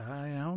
Da iawn.